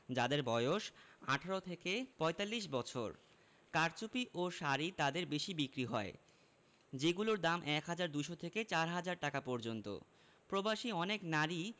যাঁদের বয়স ১৮ থেকে ৪৫ বছর কারচুপি ও শাড়ি তাঁদের বেশি বিক্রি হয় যেগুলোর দাম ১ হাজার ২০০ থেকে ৪ হাজার টাকা পর্যন্ত প্রবাসী অনেক নারীই